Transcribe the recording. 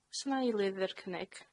O's 'na eilydd i'r cynnig?